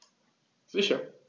Sicher.